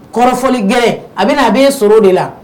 Kɔrɔfɔfɔli gɛn a bɛ na a bɛ yen sɔrɔ de la